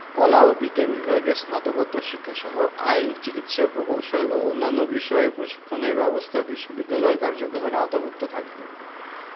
কলা ও বিজ্ঞান বিভাগে স্নাতকোত্তর শিক্ষাসহ আইন চিকিৎসা প্রকৌশল ও অন্যান্য বিষয়ে প্রশিক্ষণের ব্যবস্থা বিশ্ববিদ্যালয়ের কার্যক্রমের আওতাভুক্ত থাকবে